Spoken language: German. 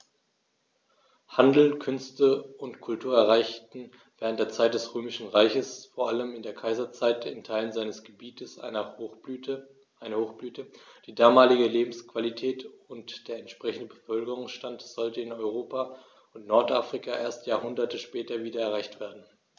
Handel, Künste und Kultur erreichten während der Zeit des Römischen Reiches, vor allem in der Kaiserzeit, in Teilen seines Gebietes eine Hochblüte, die damalige Lebensqualität und der entsprechende Bevölkerungsstand sollten in Europa und Nordafrika erst Jahrhunderte später wieder erreicht werden.